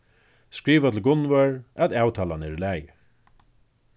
skriva til gunnvør at avtalan er í lagi